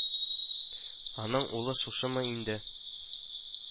Аның улы шушымы инде